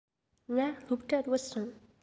ང སློབ གྲྭར བུད སོང